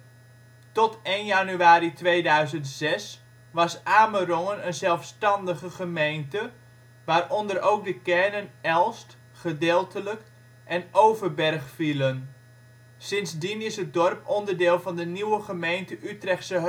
1 januari 2006 was Amerongen een zelfstandige gemeente, waaronder ook de kernen Elst (gedeeltelijk) en Overberg vielen. Sindsdien is het dorp onderdeel van de nieuwe gemeente Utrechtse